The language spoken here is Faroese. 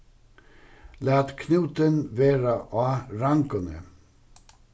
lat knútin vera á ranguni